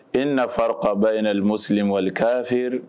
E na'ba yelimusiwale k kaa feere